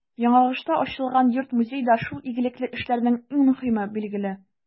Яңагошта ачылган йорт-музей да шул игелекле эшләрнең иң мөһиме, билгеле.